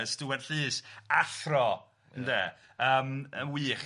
Y stiwart llys athro ynde yym yn wych.